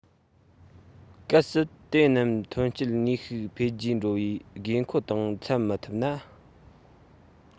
གལ སྲིད དེ རྣམས ཐོན སྐྱེད ནུས ཤུགས འཕེལ རྒྱས འགྲོ བའི དགོས མཁོ དང འཚམས མི ཐུབ ན